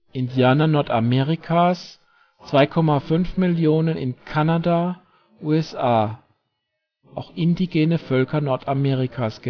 Indianer Nordamerikas: 2.500.000 in Kanada, USA (indigene Völker Nordamerikas